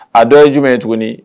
A dɔ ye jumɛn ye tuguni